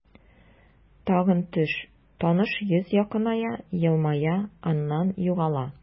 Тагын төш, таныш йөз якыная, елмая, аннан югала.